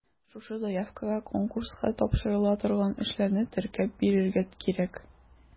Шушы заявкага конкурска тапшырыла торган эшләрне теркәп бирергә кирәк.